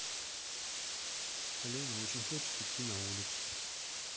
alena очень хочет идти на улицу